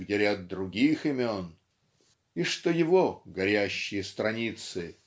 где ряд других имен" и что его "горящие страницы"